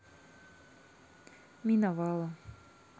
миновало